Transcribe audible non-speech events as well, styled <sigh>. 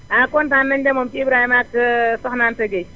ah kontaan nañu de moom ci Ibrahima ak <hesitation> Soxna Anta Gueye